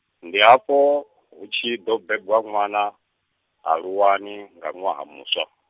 ndi afho, hu tshi ḓo bebwa ṅwana, Aluwani, nga ṅwaha muswa.